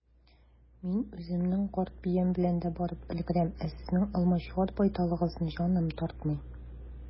Мин үземнең карт биям белән дә барып өлгерәм, ә сезнең алмачуар байталыгызны җаным тартмый.